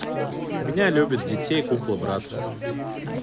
меня любят детей кукла брат